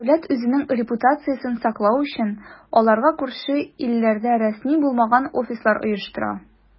Дәүләт, үзенең репутациясен саклау өчен, аларга күрше илләрдә рәсми булмаган "офислар" оештыра.